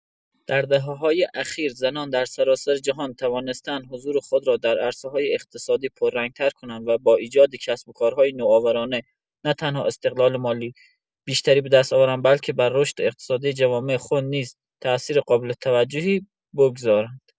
در دهه‌های اخیر، زنان در سراسر جهان توانسته‌اند حضور خود را در عرصه‌های اقتصادی پررنگ‌تر کنند و با ایجاد کسب‌وکارهای نوآورانه، نه‌تنها استقلال مالی بیشتری به دست آورند، بلکه بر رشد اقتصادی جوامع خود نیز تأثیر قابل توجهی بگذارند.